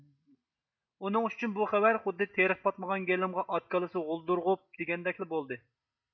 ئۇنىڭ ئۈچۈن بۇ خەۋەر خۇددى تېرىق پاتمىغان گېلىمغا ئات كاللىسى غولدۇر غوپ دېگەندەكلا بولدى